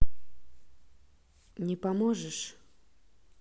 не поможешь